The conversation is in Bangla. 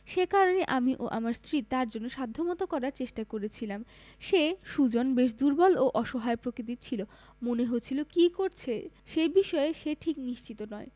এ কারণেই আমি ও আমার স্ত্রী তাঁর জন্য সাধ্যমতো করার চেষ্টা করেছিলাম সে সুজন বেশ দুর্বল ও অসহায় প্রকৃতির ছিল মনে হচ্ছিল কী করছে সেই বিষয়ে সে ঠিক নিশ্চিত নয়